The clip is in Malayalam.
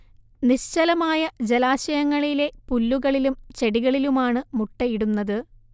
നിശ്ചലമായ ജലാശയങ്ങളിലെ പുല്ലുകളിലും ചെടികളിലുമാണ് മുട്ട ഇടുന്നത്